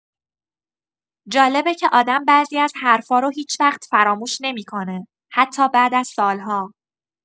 جالبه که آدم بعضی از حرفا رو هیچ‌وقت فراموش نمی‌کنه، حتی بعد از سال‌ها.